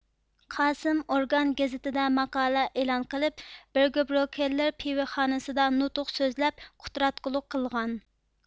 قاسىم ئورگان گېزىتىدە ماقالە ئېلان قىلىپ بېرگېبروكېللېر پىۋىخانسىدا نۇتۇق سۆزلەپ قۇتراتقۇلۇق قىلغان